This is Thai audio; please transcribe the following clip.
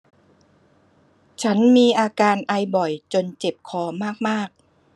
ฉันมีอาการไอบ่อยจนเจ็บคอมากมาก